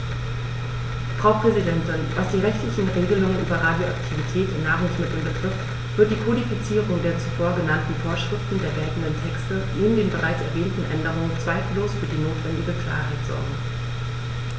Frau Präsidentin, was die rechtlichen Regelungen über Radioaktivität in Nahrungsmitteln betrifft, wird die Kodifizierung der zuvor genannten Vorschriften der geltenden Texte neben den bereits erwähnten Änderungen zweifellos für die notwendige Klarheit sorgen.